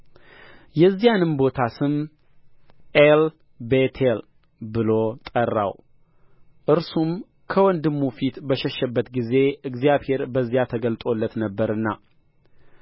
የዚያንም ቦታ ስም ኤልቤቴል ብሎ ጠራው እርሱ ከወንድሙ ፊት በሸሸበት ጊዜ እግዚአብሔር በዚያ ተገልጦለት ነበርና